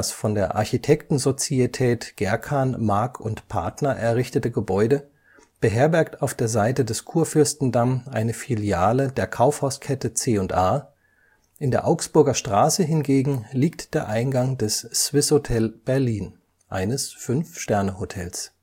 von der Architektensozietät Gerkan, Marg und Partner errichtete Gebäude beherbergt auf der Seite des Kurfürstendamm eine Filiale der Kaufhauskette C&A, in der Augsburger Straße hingegen liegt der Eingang des Swissôtel Berlin, eines Fünfsterne-Hotels